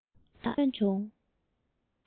ཙི ཙི དག ཐོན བྱུང